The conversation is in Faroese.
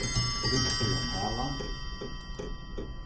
bint síðani halan